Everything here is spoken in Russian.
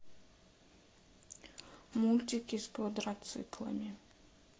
мультики с квадроциклами